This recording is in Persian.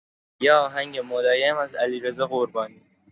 یه آهنگ ملایم از علیرضا قربانی